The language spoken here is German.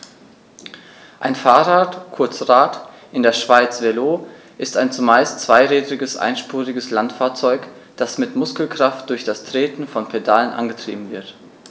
Ein Fahrrad, kurz Rad, in der Schweiz Velo, ist ein zumeist zweirädriges einspuriges Landfahrzeug, das mit Muskelkraft durch das Treten von Pedalen angetrieben wird.